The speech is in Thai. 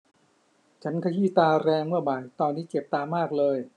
ฉันขยี้ตาแรงเมื่อบ่ายตอนนี้เจ็บตามากเลย